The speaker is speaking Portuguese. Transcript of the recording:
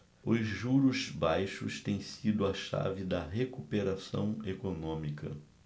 os juros baixos têm sido a chave da recuperação econômica